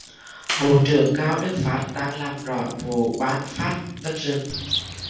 bộ trưởng cao đức phát đang làm rõ vụ ban phát đất rừng